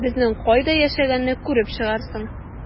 Безнең кайда яшәгәнне күреп чыгарсың...